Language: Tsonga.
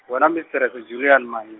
wena Mistrese Juliana Mahing-.